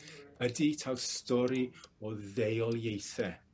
ydi taw stori o ddeuoliaethe